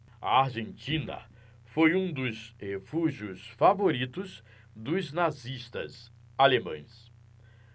a argentina foi um dos refúgios favoritos dos nazistas alemães